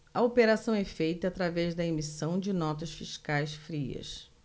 a operação é feita através da emissão de notas fiscais frias